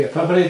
Ia pa bryd?